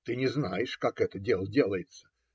Ты не знаешь, как это дело делается